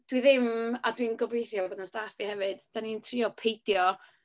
Dwi ddim, a dwi'n gobeithio bod yn staff i hefyd, dan ni'n trio peidio...